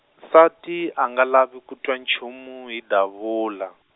nsati a nga lavi ku twa nchumu, hi Davula.